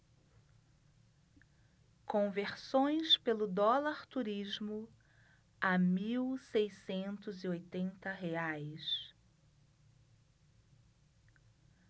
conversões pelo dólar turismo a mil seiscentos e oitenta reais